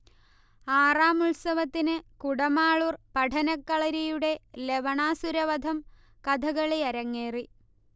ആറാം ഉത്സവത്തിന് കുടമാളൂർ പഠനകളരിയുടെ ലവണാസുരവധം കഥകളി അരങ്ങേറി